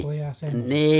ja semmoiset